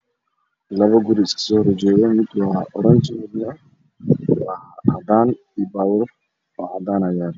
Laba greece kasoo horjeedo mid waa cagaar midna caddaan